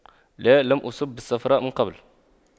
لا لم أصب بالصفراء من قبل